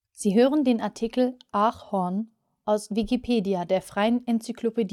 Sie hören den Artikel Pilgerhorn, aus Wikipedia, der freien Enzyklopädie